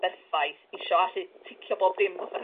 berffaith isio allu ticio bob dim off y...